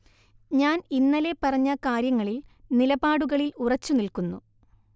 ഞാൻ ഇന്നലെ പറഞ്ഞ കാര്യങ്ങളിൽ, നിലപാടുകളിൽ ഉറച്ചു നില്കുന്നു